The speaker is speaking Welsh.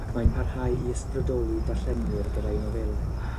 ac mae'n parhau i ysbrydoli darllenwyr gyda'i nofelau.